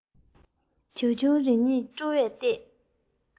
བྱེའུ ཆུང རེ གཉིས སྤྲོ བས བརྟས